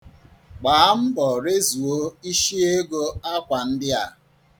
Gbaa mbọ rezuo isiego akwa ndị a.